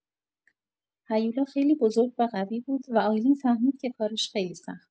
هیولا خیلی بزرگ و قوی بود و آیلین فهمید که کارش خیلی سخته.